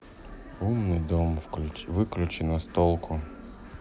умный дом выключи настолку